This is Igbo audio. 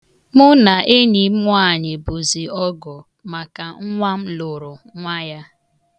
Mụ na enyi m nwaanyị bụzị ọgọ maka nwa m lụrụ nwa ya.